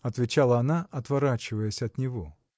– отвечала она, отворачиваясь от него.